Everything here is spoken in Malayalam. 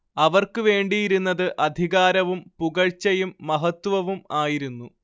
അവർക്കുവേണ്ടിയിരുന്നത് അധികാരവും പുകഴ്ച്ചയും മഹത്ത്വവും ആയിരുന്നു